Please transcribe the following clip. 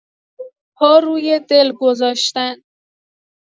پا روی دل گذاشتن